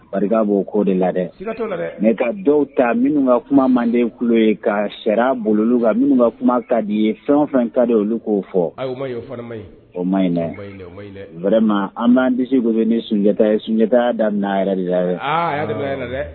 Barika b koo de la dɛ nka ka dɔw ta minnu ka kuma manden kulu ye ka sariya bolo ka minnu ka kuma kadi ye fɛn fɛn ka de olu k'o fɔ an b'an dise ni sunjatata ye sunjatata daminɛ yɛrɛ de ye